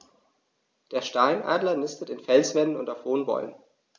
Der Steinadler nistet in Felswänden und auf hohen Bäumen.